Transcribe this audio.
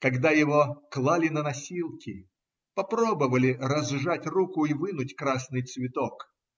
Когда его клали на носилки, попробовали разжать руку и вынуть красный цветок.